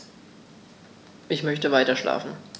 Ich möchte weiterschlafen.